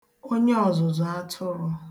onyeọ̀zụ̀zụ̀ atụrụ̄